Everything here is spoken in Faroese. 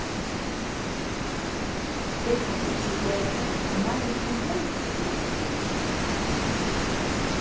eg kann ikki gera tað og marjun kann heldur ikki gera tað